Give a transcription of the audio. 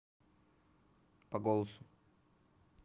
по голосу